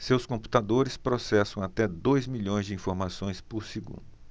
seus computadores processam até dois milhões de informações por segundo